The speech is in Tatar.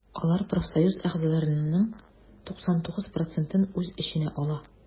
Алар профсоюз әгъзаларының 99 процентын үз эченә ала.